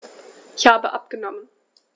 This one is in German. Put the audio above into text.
Ich habe abgenommen.